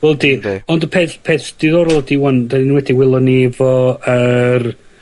Wedl 'di. Yndi. Ond y peth peth diddorol ydi 'wan 'dyn ni wedi... Welon ni efo yr